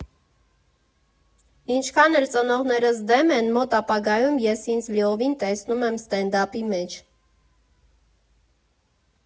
Ինչքան էլ ծնողներս դեմ են, մոտ ապագայում ես ինձ լիովին տեսնում եմ ստենդափի մեջ։